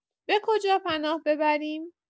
به کجا پناه ببریم؟